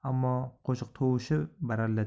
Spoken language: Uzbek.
ammo qo'shiq tovushi baralla